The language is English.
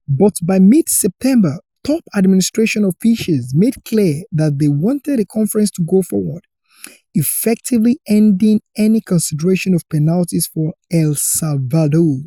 But by mid-September, top administration officials made clear that they wanted the conference to go forward, effectively ending any consideration of penalties for El Salvador.